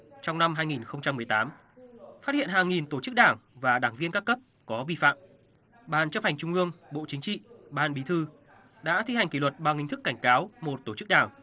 trong năm hai nghìn không trăm mười tám phát hiện hàng nghìn tổ chức đảng và đảng viên các cấp có vi phạm ban chấp hành trung ương bộ chính trị ban bí thư đã thi hành kỷ luật bằng hình thức cảnh cáo một tổ chức đảng